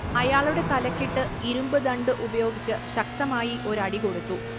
അയാളുടെ തലക്കിട്ടു ഇരുമ്പ്ദണ്ഡ് ഉപയോഗിച്ച് ശക്തമായി ഒരടി കൊടുത്തു